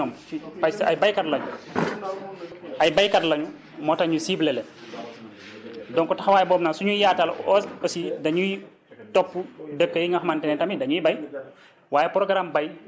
parce que dafa am lu ñu gis si ñoom parce que ay béykat lañ ay béykat lañu moo tax ñu ciblé leen donc taxawaay boobu nag su ñuy yaatal on aussi dañuy topp dëkk yi nga xamante ne tamit dañuy béy